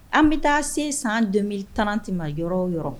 An bɛ taa se san 2030 ma yɔrɔ o yɔrɔ